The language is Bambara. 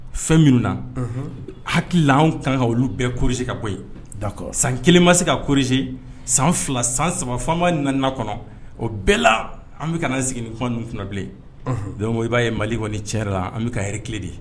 Fɛn minnu na hakili anw kan ka olu bɛɛ korisi ka bɔ da san kelen ma se ka korie san fila san saba fanba nana kɔnɔ o bɛɛ la an bɛ ka sigi ni kɔn bilen don i b'a ye mali kɔniɔni cɛ la an bɛ ka yɛrɛ kelen de ye